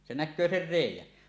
se näkee sen reiän